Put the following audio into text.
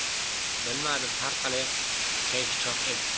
bilmadim har qalay kayfi chog' edi